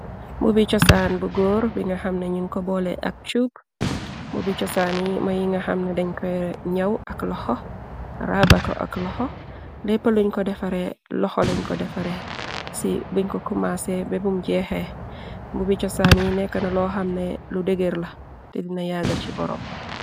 mubi cosaan bu góor bi nga xamna ñun ko boole ak cub mu bi cosaan yi mëyi nga xamna deñ ko ñëw ak loxo raaba ko ak loxo leppa luñ ko defare loxoluñ ko defare ci buñ ko kumase bebum jeexee mu bi cosaan yi nekk na loo xamne lu degër la te dina yagga ci boroom